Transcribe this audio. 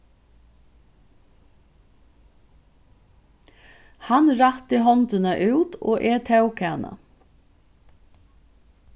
hann rætti hondina út og eg tók hana